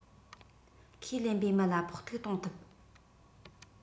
ཁས ལེན པའི མི ལ ཕོག ཐུག གཏོང ཐུབ